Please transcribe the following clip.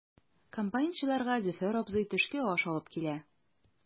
Комбайнчыларга Зөфәр абзый төшке аш алып килә.